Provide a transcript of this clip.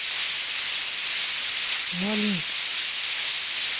валить